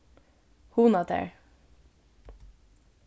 hugna tær